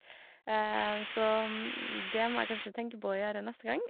Så det må jeg kanskje tenke på å gjøre neste gang.